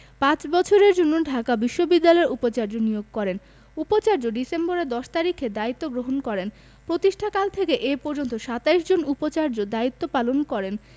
পাঁচ বছরের জন্য ঢাকা বিশ্ববিদ্যালয়ের উপচার্য নিয়োগ করেন উপচার্য ডিসেম্বরের ১০ তারিখে দায়িত্ব গ্রহণ করেন প্রতিষ্ঠাকাল থেকে এ পর্যন্ত ২৭ জন উপাচার্য দায়িত্ব পালন করেন